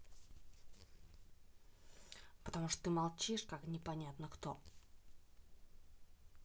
потому что ты молчишь как непонятно кто